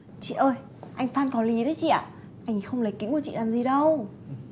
chị ơi anh phan có lí đấy chị ạ anh ý không lấy cái kính của chị làm gì đâu